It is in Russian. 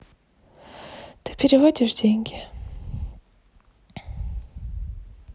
ты переводишь деньги